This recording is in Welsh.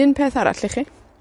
un peth arall i chi.